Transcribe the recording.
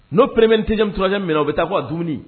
N'o pereremetɛnurajan min na u bɛ taa k' a dumuni